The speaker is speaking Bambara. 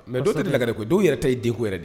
Mais dɔ tɛ Lakare koyi dɔw yɛrɛ ta ye den yɛrɛ de ye